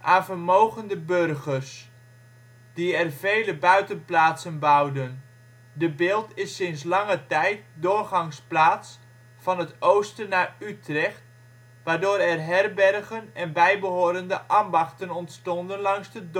aan vermogende burgers, die er vele buitenplaatsen bouwden. De Bilt is sinds lange tijd doorgangsplaats van het oosten naar Utrecht, waardoor er herbergen en bijbehorende ambachten ontstonden